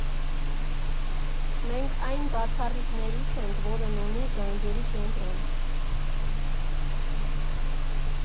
Մենք այն բացառիկներից ենք, որն ունի զանգերի կենտրոն։